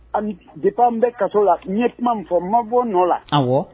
Hali depuis en bɛ kaso la n ye kuma min fɔ n ma bon n nɔ la.awɔ